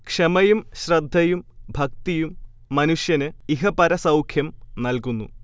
ക്ഷമയും ശ്രദ്ധയും ഭക്തിയും മനുഷ്യന് ഇഹപരസൗഖ്യം നൽകുന്നു